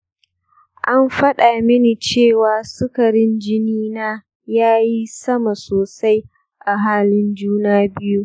an faɗa mini cewa sukarin jinina yayi sama sosai a halin juna-biyu.